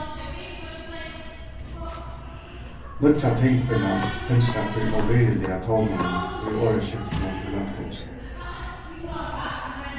nýggja tingkvinnan finst at tí óvirðiliga tónanum í orðaskiftinum í løgtinginum